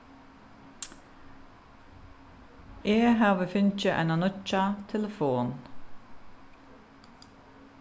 eg havi fingið eina nýggja telefon